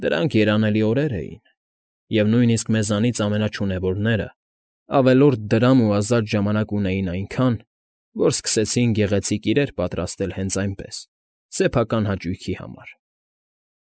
Դրանք երանելի օրեր էին, և նույնիսկ մեզանից ամենաչունևորները ավելրոդ դրամ ու ազատ ժամանակ ունեին այնքան, որ սկսեցին գեղեցիկ իրեր պատրաստել հենց այնպես, սեփական հաճույքի համար։